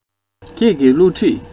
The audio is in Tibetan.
ཁྱེད ཀྱི བསླུ བྲིད